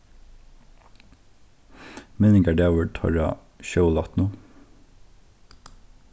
minningardagur teirra sjólátnu